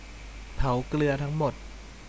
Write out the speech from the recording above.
เผาเกลือทั้งหมด